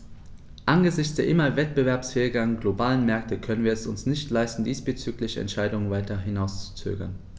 Angesichts der immer wettbewerbsfähigeren globalen Märkte können wir es uns nicht leisten, diesbezügliche Entscheidungen weiter hinauszuzögern.